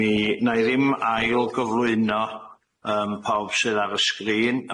Mi nâi ddim ail gyflwyno yym pawb sydd ar y sgrîn